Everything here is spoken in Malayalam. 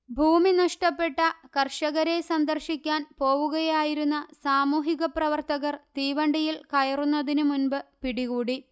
ഭൂമി നഷ്ടപ്പെട്ട കർഷകരെ സന്ദർശിക്കാൻപോവുകയായിരുന്ന സാമൂഹികപ്രവർത്തകർ തീവണ്ടിയിൽ കയറുന്നതിനു മുമ്പ് പിടികൂടി